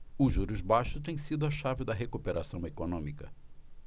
os juros baixos têm sido a chave da recuperação econômica